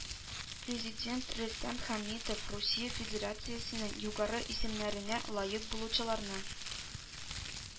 Президент Рөстәм Хәмитов Русия Федерациясенең югары исемнәренә лаек булучыларны